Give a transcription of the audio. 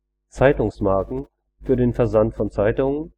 Zeitungsmarken (für den Versand von Zeitungen